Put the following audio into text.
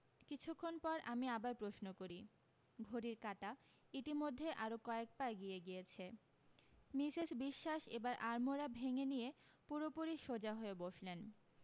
কিছুক্ষণ পর আমি আবার প্রশ্ন করি ঘড়ির কাঁটা ইতিমধ্যে আরও কয়েক পা এগিয়ে গিয়েছে মিসেস বিশ্বাস এবার আড়মোড়া ভেঙে নিয়ে পুরোপুরি সোজা হয়ে বসলেন